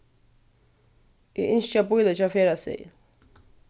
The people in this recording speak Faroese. eg ynski at bíleggja ferðaseðil